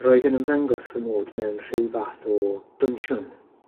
Roedd yn ymddangos fy mod mewn rhyw fath o dwnsiwn.